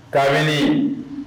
Kabini